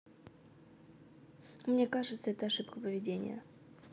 мне кажется это ошибка поведения